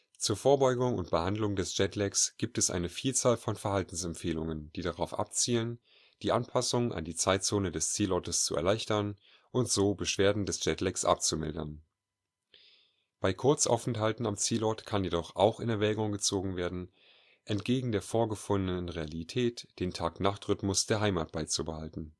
Zur Vorbeugung und Behandlung des Jetlags gibt es eine Vielzahl von Verhaltensempfehlungen, die darauf abzielen, die Anpassung an die Zeitzone des Zielortes zu erleichtern und so Beschwerden des Jetlags abzumildern. Bei Kurzaufenthalten am Zielort kann jedoch auch in Erwägung gezogen werden, entgegen der vorgefundenen Realität den Tag-Nacht-Rhythmus der Heimat beizubehalten